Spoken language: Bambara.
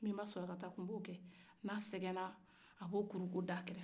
nbenba sulakata a tun bo kɛ n'a sɛgɛ na a bo da kɛrɛ fɛ